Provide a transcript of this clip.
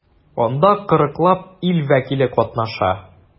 Анда 40 лап ил вәкиле катнаша.